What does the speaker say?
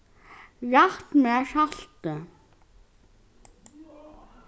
rætt mær saltið